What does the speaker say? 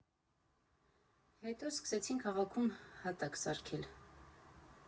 Հետո սկսեցին քաղաքում հատակ սարքել։